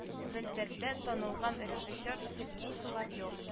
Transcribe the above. Белдерде танылган режиссер сергей соловьев